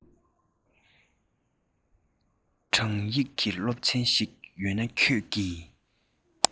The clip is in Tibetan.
སྒྲུང ཡིག གི སློབ ཚན ཞིག ཡོད ན ཁྱོད ཀྱིས